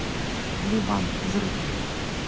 ливан взрыв